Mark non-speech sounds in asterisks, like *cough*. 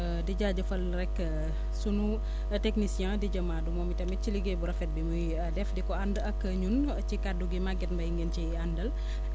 *hesitation* di jaajëfal rek *hesitation* sunu technicien DJ Madou moom itamit ci liggéey bu rafet bi muy def di ko ànd ak ñun ci kaddu gi Maguette Mbaye ngeen ciy àndal *breath*